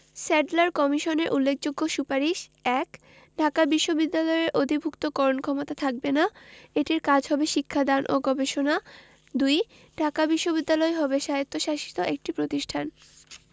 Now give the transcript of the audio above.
Sadler কমিশনের উল্লেখযোগ্য সুপারিশ: ১. ঢাকা বিশ্ববিদ্যালয়ের অধিভুক্তিকরণ ক্ষমতা থাকবে না এটির কাজ হবে শিক্ষা দান ও গবেষণা ২. ঢাকা বিশ্ববিদ্যালয় হবে স্বায়ত্তশাসিত একটি প্রতিষ্ঠান